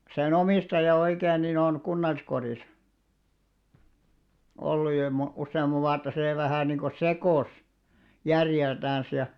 sen omistaja oikein niin on kunnalliskodissa ollut jo - useamman vuotta se vähän niin kuin sekosi järjeltänsä ja